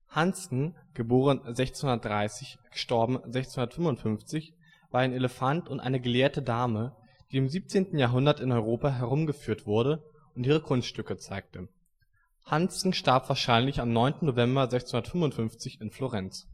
Hansken (* 1630; † 1655) war ein Elefant und eine gelehrte Dame, die im 17. Jahrhundert in Europa herumgeführt wurde und ihre Kunststücke zeigte. Hansken starb wahrscheinlich am 9. November 1655 in Florenz